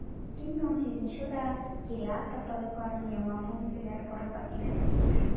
2018 елда гериатр табибларның яңа функцияләре барлыкка килергә тиеш.